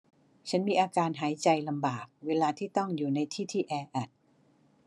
ฉันมีอาการหายใจลำบากเวลาที่ต้องอยู่ในที่ที่แออัด